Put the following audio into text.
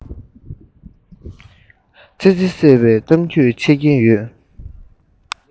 ཙི ཙི གསོད པའི གཏམ རྒྱུད འཆད ཀྱི ཡོད